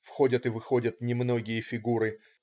Входят и выходят немногие фигуры.